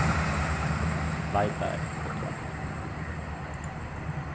leita eftir poddvarpinum